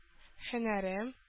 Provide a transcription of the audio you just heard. Һөнәрем